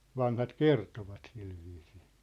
vanhat kertoivat sillä viisiin